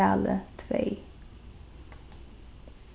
talið tvey